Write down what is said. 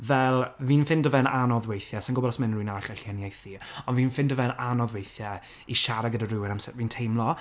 Fel, fi'n ffindo fe'n anodd weithie, sai'n gwbod os ma' unrywun arall yn gallu uniaethu, ond fi'n ffindio fe'n anodd weithie, i siarad gyda rywun am sut fi'n teimlo,